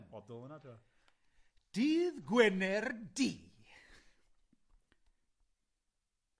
Odl fa' 'na twel. Dydd Gwener Du.